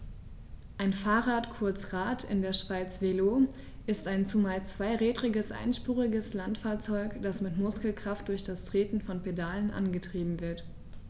Ein Fahrrad, kurz Rad, in der Schweiz Velo, ist ein zumeist zweirädriges einspuriges Landfahrzeug, das mit Muskelkraft durch das Treten von Pedalen angetrieben wird.